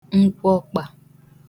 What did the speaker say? nkwoọkpà